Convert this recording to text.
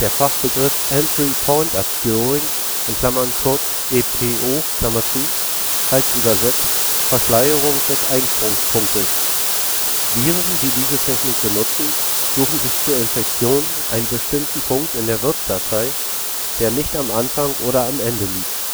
Fachbegriff „ Entry Point Obscuring “(kurz: EPO) heißt übersetzt „ Verschleierung des Einsprungspunktes “. Viren, die diese Technik benutzen, suchen sich zur Infektion einen bestimmten Punkt in der Wirtsdatei, der nicht am Anfang oder am Ende liegt